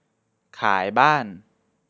ขายบ้าน